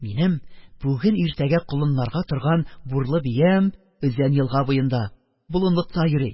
Минем бүген-иртәгә колынларга торган бурлы биям өзән елга буенда, болынлыкта йөри.